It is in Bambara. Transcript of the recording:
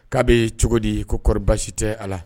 K'a bɛ cogo di koɔri basi tɛ a la